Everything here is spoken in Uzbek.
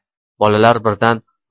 bolalar birdan